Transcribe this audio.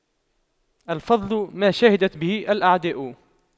الفضل ما شهدت به الأعداء